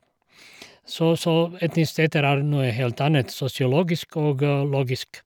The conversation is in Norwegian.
så Så etnisiteter er noe helt annet, sosiologisk og logisk.